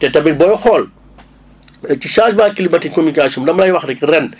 te tamit booy xool ci changement climtique communication damay wax rek ren